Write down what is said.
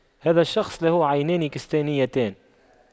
هذا الشخص له عينان كستانيتان